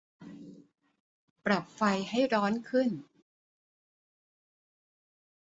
ปรับไฟให้ร้อนขึ้น